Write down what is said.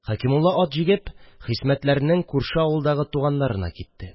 Хәкимулла ат җигеп Хисмәтләрнең күрше авылдагы туганнарына китте